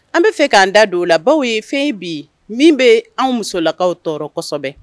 An bɛa fɛ k'an da don o la baw ye fɛn bi min bɛ an musolakaw tɔɔrɔ kosɛbɛ